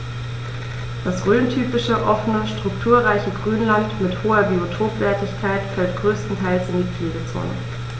Das rhöntypische offene, strukturreiche Grünland mit hoher Biotopwertigkeit fällt größtenteils in die Pflegezone.